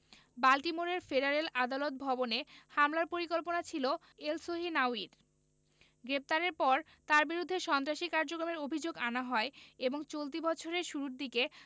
বাল্টিমোরের ফেডারেল আদালত ভবনে হামলার পরিকল্পনা ছিল এলসহিনাউয়ির গ্রেপ্তারের পর তাঁর বিরুদ্ধে সন্ত্রাসী কার্যক্রমের অভিযোগ আনা হয় এবং চলতি বছরের শুরুর দিকে